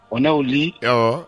O naawli ɔwɔ